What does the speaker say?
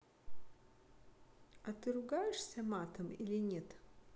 а ты ругаешься матом или нет